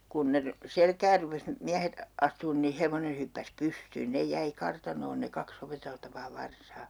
kun ne - selkään rupesi miehet astumaan niin hevonen hyppäsi pystyyn ne jäi kartanoon ne kaksi opeteltavaa varsaa